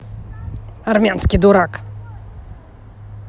армянский дурак